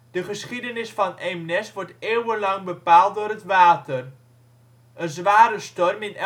De geschiedenis van Eemnes wordt eeuwenlang bepaald door het water. Een zware storm in